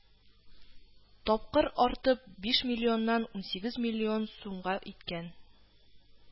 Тапкыр артып, биш миллионнан ун сигез миллион сумга иткән